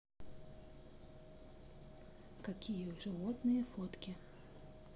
какие животные фотки